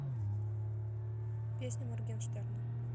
песня моргенштерна